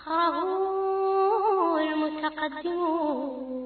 San mɔinɛgɛnin yo